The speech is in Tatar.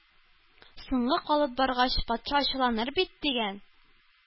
Соңга калып баргач, патша ачуланыр бит! — дигән.